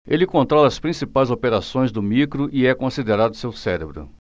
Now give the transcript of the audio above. ele controla as principais operações do micro e é considerado seu cérebro